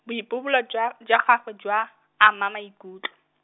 boipobolo jwa, jwa gagwe jwa, ama maikutlo.